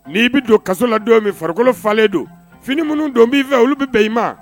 Ni bɛ don kaso la don min, farikolo falen don ,fini minnu bɛ don b'i fɛ olu bɛ bɛn i ma.